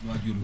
waajur bi